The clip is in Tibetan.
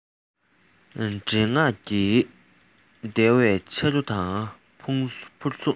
བྲེད དངངས ཀྱིས བརྡལ བའི ཆ རུ དང ཕུར ཟུངས